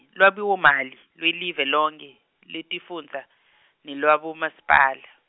Lwabiwomali, lwelive lonkhe, lwetifundza, nelwabomasipala.